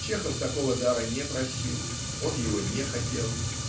Чехов такого дара не просил он его не хотел